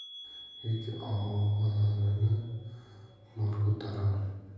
yuk og'irini nor ko'tarar